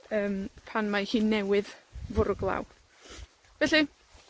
yym, pan mae hi newydd fwrw glaw. Felly,